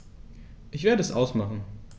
Ich werde es ausmachen